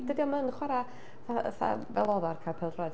Dydy o'm yn chwarae fatha fel oedd o ar cae pêl-droed.